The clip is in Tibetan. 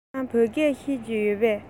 ཁྱེད རང བོད སྐད ཤེས ཀྱི ཡོད པས